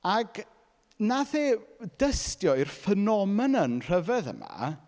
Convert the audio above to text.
Ac wnaeth e dystio i'r ffenomenon rhyfedd yma.